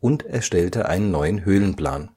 und erstellte einen neuen Höhlenplan